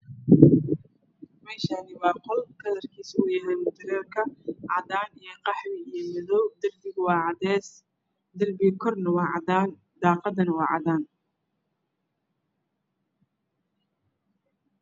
Meeshaan waa qol kalarkiisuna mutuleelka cadaan iyo qaxwi iyo madow. Darbiguna waa cadeys, darbiga korna waa cadaan daaqaduna waa cadaan.